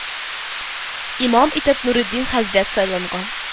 Имам итеп Нуретдин хәзрәт сайланган